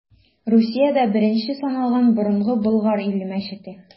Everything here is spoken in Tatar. Русиядә беренче саналган Борынгы Болгар иле мәчете.